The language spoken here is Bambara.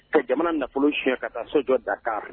Ka jamana nafolo si ka taa sojɔ da kan